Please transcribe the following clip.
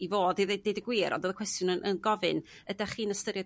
i fod i ddeu- deud y gwir ond o'dd y cwestiwn yn gofyn yda chi 'n ystyried